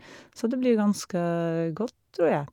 Så det blir ganske godt, tror jeg.